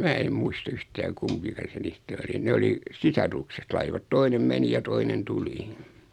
minä en muista yhtään kumpi se niistä oli ne oli sisarukset laivat toinen meni ja toinen tuli